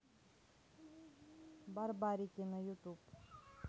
барбарики на ютуб